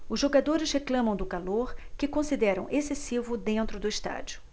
os jogadores reclamam do calor que consideram excessivo dentro do estádio